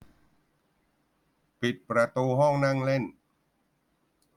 ปิดประตูห้องนั่งเล่น